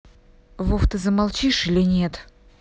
вов ты замолчишь нет